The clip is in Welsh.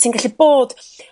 ti'n gallu bod...